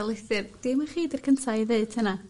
darlithydd dim y chi 'di'r cynta i ddeud hynna.